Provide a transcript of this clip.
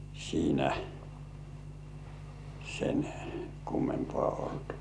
siinä sen kummempaa ollut